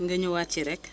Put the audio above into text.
nga ñëwaat ci rek